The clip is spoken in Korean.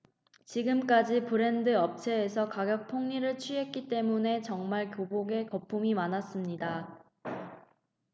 지금까지 브랜드 업체에서 가격폭리를 취했기 때문에 정말 교복에 거품이 많았습니다